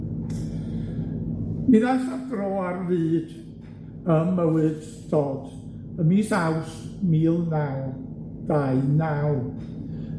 Mi ddaeth at dro ar fyd ym mywyd Dodd ym mis Awst mil naw dau naw